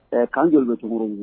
K' jɔ don cogo ye